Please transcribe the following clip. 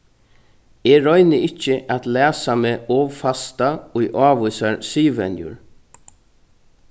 eg royni ikki at læsa meg ov fasta í ávísar siðvenjur